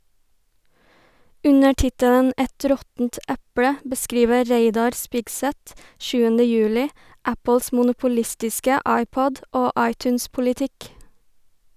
Under tittelen "Et råttent eple" beskriver Reidar Spigseth 7. juli Apples monopolistiske iPod- og iTunes-politikk.